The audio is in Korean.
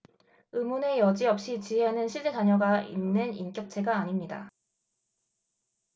의문의 여지없이 지혜는 실제 자녀가 있는 인격체가 아닙니다